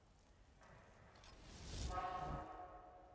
машу нам